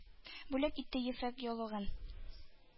Бүләк итте ефәк яулыгын;